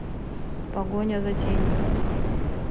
погоня за тенью